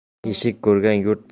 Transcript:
eshik ko'rgan yurt buzar